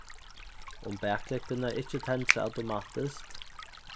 um baklyktirnar ikki tendra automatiskt